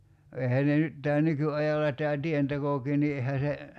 eihän ne nyt tämä nykyajalla tämä tientekokin niin eihän se